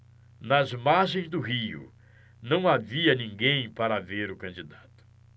nas margens do rio não havia ninguém para ver o candidato